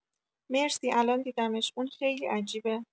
مرسی الان دیدمش اون خیلی عجیبه